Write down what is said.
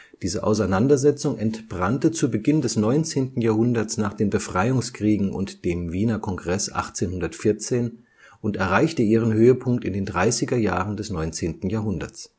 Diese Auseinandersetzung entbrannte zu Beginn des 19. Jahrhunderts nach den Befreiungskriegen und dem Wiener Kongress 1814 und erreichte ihren Höhepunkt in den dreißiger Jahren des 19. Jahrhunderts